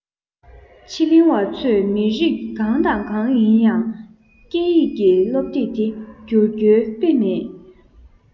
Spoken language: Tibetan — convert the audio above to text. ཕྱི གླིང བ ཚོས མི རིགས གང དང གང ཡིན ཡང སྐད ཡིག གི སློབ དེབ དེ བསྒྱུར རྒྱུའི དཔེ མེད